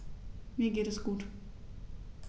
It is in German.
Mir geht es gut.